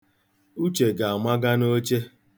Uche ga-amaga n'oche.